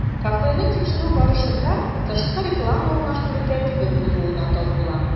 Кафены тикшерү барышында, тышкы реклама урнаштыру тәртибе бозылуына тап була.